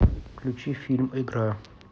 включи фильм игра